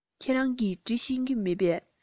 ཁྱེད རང གིས འབྲི ཤེས ཀྱི མེད པས